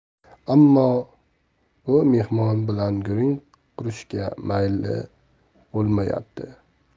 ammo bu mehmon bilan gurung qurishga mayli bo'lmayapti